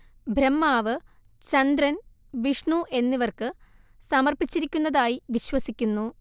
ബ്രഹ്മാവ്, ചന്ദ്രൻ വിഷ്ണു എന്നിവർക്ക് സമർപ്പിച്ചിരിക്കുന്നതായി വിശ്വസിക്കുന്നു